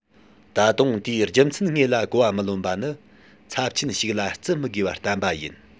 ད དུང དེའི རྒྱུ མཚན དངོས ལ གོ བ མི ལོན པ ནི ཚབས ཆེན ཞིག ལ བརྩི མི དགོས པ བསྟན པ ཡིན